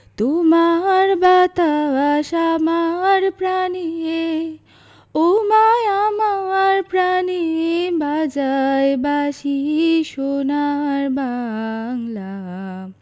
তোমার বাতাস আমার প্রাণে ওমা আমার প্রানে বাজায় বাঁশি সোনার বাংলা